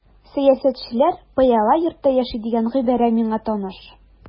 Сәясәтчеләр пыяла йортта яши дигән гыйбарә миңа таныш.